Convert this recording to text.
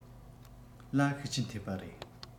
ལ ཤུགས རྐྱེན ཐེབས པ རེད